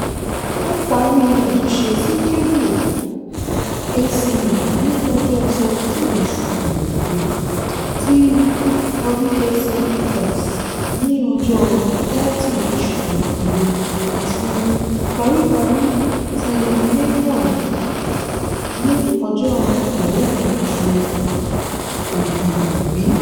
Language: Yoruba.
Wọ́n parí àtúnṣe sí kébù ACE ní ọjọ́ 17 oṣù Igbe, ti WACS ní ọjọ́ 30 oṣù Igbe, àti, paríparí, ti Mainone ní ọjọ́ 11 oṣù Èbìbí.